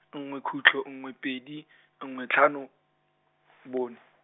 nngwe khutlo nngwe pedi , nngwe tlhano, bone.